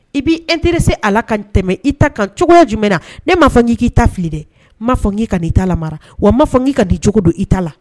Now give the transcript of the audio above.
I b'i interesser a la ka tɛmɛn i ta kan cogoya jumɛn na? ne m''a fɔ k'i ta fili dɛ, n ma fɔ k'i ka n' i ta mara ,wa n m'a fɔ k'i ka n'i cogo don i ta la.